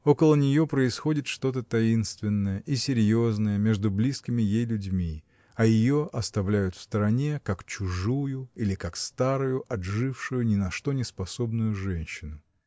Около нее происходит что-то таинственное и серьезное, между близкими ей людьми, а ее оставляют в стороне, как чужую или как старую, отжившую, ни на что не способную женщину.